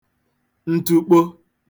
ntụkpo